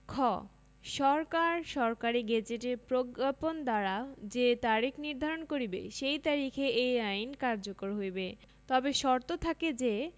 খ সরকার সরকারী গেজেটে প্রজ্ঞাপন দ্বারা যে তারিখ নির্ধারণ করিবে সেই তারিখে এই আইন কার্যকর হইবে তবে সর্ত থাকে যে